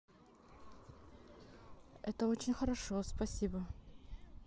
это очень хорошо спасибо